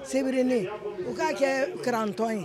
Se bere ne ye u k'a kɛɛ karantɔn ye